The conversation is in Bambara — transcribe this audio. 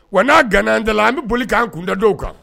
Wa n'a gnaan dala la an bɛ boli k'an kunda dɔw kan